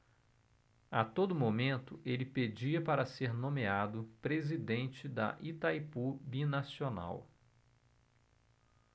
a todo momento ele pedia para ser nomeado presidente de itaipu binacional